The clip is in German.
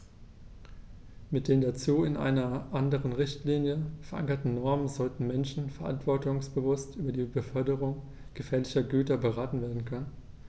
Mit den dazu in einer anderen Richtlinie, verankerten Normen sollten Menschen verantwortungsbewusst über die Beförderung gefährlicher Güter beraten werden können.